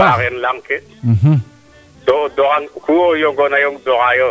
to faaxe laŋ ke to doxa ku yongona doxaa yo